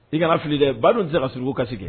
I kana filili dɛ ba dun tɛ se ka s kasi kɛ